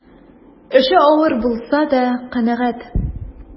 Эше авыр булса да канәгать.